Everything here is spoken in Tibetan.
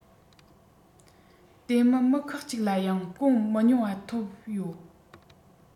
དེ མིན མི ཁག གཅིག ལ ཡང སྐོང མི ཉུང བ ཐོབ ཡོད